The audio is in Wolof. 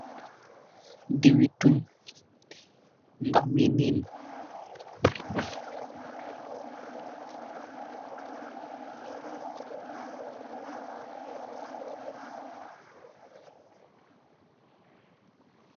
Diwwi tug ndax mui niin.